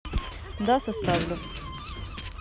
да составлю